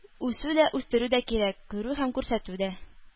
Үсү дә үстерү дә кирәк, күрү һәм күрсәтү дә.